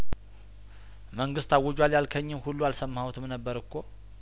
መንግስት አውጇል ያልከኝን ሁሉ አልሰማሁትም ነበር እኮ